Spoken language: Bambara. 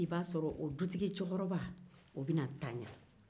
i b'a sɔrɔ o dutigi cɛkɔrɔba o bɛ na ntaya